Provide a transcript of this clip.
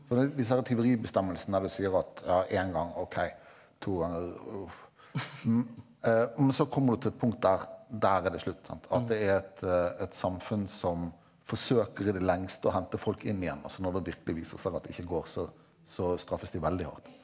foru hvis denne tyveribestemmelsen der du sier at ja en gang ok to ganger uff men så kommer du til et punkt der der er det slutt sant at det er et et samfunn som forsøker i det lengste å hente folk inn igjen og så når det virkelig viser seg at det ikke går så så straffes de veldig hardt.